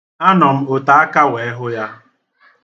Anọ m otaaka wee hụ ya.